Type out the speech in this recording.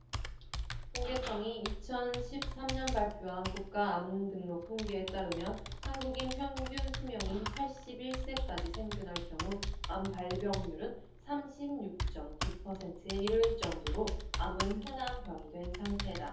통계청이 이천 십 삼 년 발표한 국가암등록통계에 따르면 한국인의 평균수명인 팔십 일 세까지 생존할 경우 암발병률은 삼십 육 쩜 구 퍼센트에 이를 정도로 암은 흔한 병이 된 상태다